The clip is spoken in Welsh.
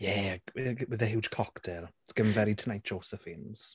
Ie g- w- with the huge cocktail it's giving very tonight Josephines.